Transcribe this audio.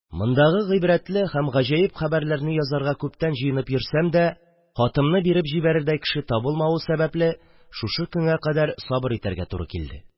«мондагы гыйбрәтле һәм гаҗәеп хәбәрләрне язарга күптән җыенып йөрсәм дә, хатымны биреп җибәрердәй кеше табылмавы сәбәпле, шушы көнгә кадәр сабыр итәргә туры килде.